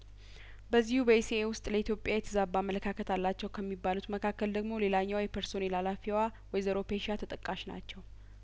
በዚሁ በኢሲኤ ውስጥ ለኢትዮጵያ የተዛባ አመለካከት አላቸው ከሚባሉት መካከል ደግሞ ሌላኛዋ የፐርሶኔል ሀላፊዋ ወይዘሮ ፔሻ ተጠቃ ሽ ናቸው